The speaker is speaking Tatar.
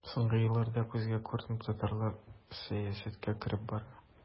Соңгы елларда күзгә күренеп татарлар сәясәткә кереп бара.